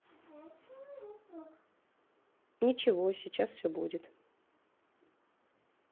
ничего сейчас все будет